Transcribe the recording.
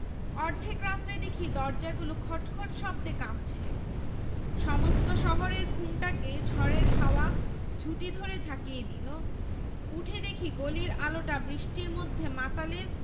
অর্ধেক রাত্রে দেখি দরজাগুলো খটখট শব্দে কাঁপছে সমস্ত শহরের ঘুমটাকে ঝড়ের হাওয়া ঝুঁটি ধরে ঝাঁকিয়ে দিলে উঠে দেখি গলির আলোটা বৃষ্টির মধ্যে মাতালের